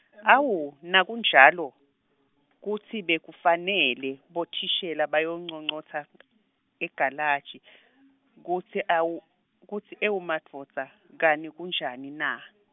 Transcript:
awu, nakunjalo , kutsi bekufanele, bothishela bayonconcotsa, egalaji , kutsi awu, kutsi ewu madvodza, kani kunjani na.